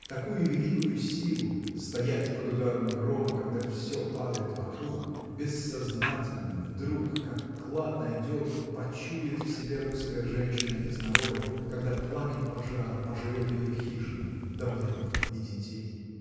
Такую великую силу — стоять под ударом грома, когда всё падает вокруг, — бессознательно, вдруг, как клад найдет, почует в себе русская женщина из народа, когда пламень пожара пожрет ее хижину, добро и детей.